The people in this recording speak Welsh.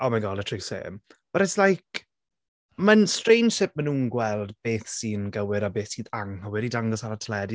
Oh my God literally same. But it's like mae'n strange sut maen nhw'n gweld beth sy'n gywir a beth sydd anghywir i dangos ar y teledu.